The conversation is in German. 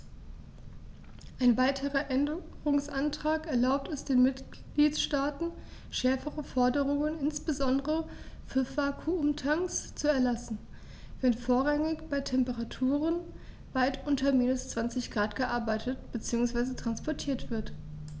Ein weiterer Änderungsantrag erlaubt es den Mitgliedstaaten, schärfere Forderungen, insbesondere für Vakuumtanks, zu erlassen, wenn vorrangig bei Temperaturen weit unter minus 20º C gearbeitet bzw. transportiert wird.